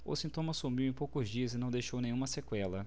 o sintoma sumiu em poucos dias e não deixou nenhuma sequela